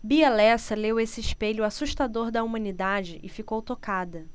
bia lessa leu esse espelho assustador da humanidade e ficou tocada